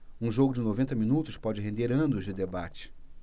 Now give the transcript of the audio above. um jogo de noventa minutos pode render anos de debate